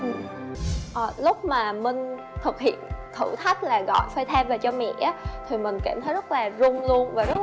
ừ à lúc mà minh thực hiện thử thách là gọi phây tham về cho mẹ á thì mình cảm thấy rất là run luôn và rất là